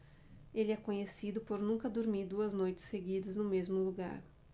ele é conhecido por nunca dormir duas noites seguidas no mesmo lugar